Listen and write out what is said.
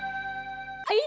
ấy